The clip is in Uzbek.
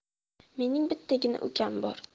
mening bittagina ukam bor